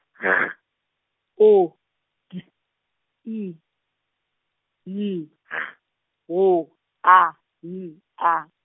G O D I Y G W A N A.